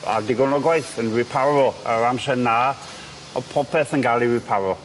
A digon o gwaith yn riparo ar yr amser 'na o'dd popeth yn ga'l 'i riparo.